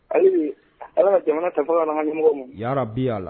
Hali ala jamana tɛ fɔkarami yalara bi a la